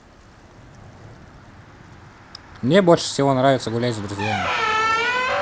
мне больше всего нравится гулять с друзьями